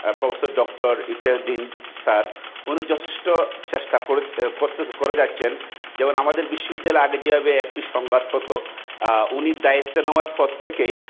professor ডঃ Ikria Uddin sir উনি যথেষ্ট চেষ্টা করে যাচ্ছেন বিশ্ববিদ্যালয় আগে যেভাবে একটি সংঘাত হত উনি দায়িত্ব নেয়ার পর থেকেই